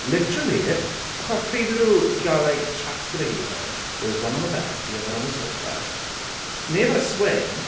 Literally achos pryd oedd nhw 'di gael like chats gyda'i gilydd there was one on the bed, the other on the sofa. Neb ar y swing*.